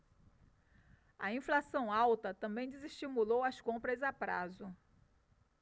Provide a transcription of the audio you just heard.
a inflação alta também desestimulou as compras a prazo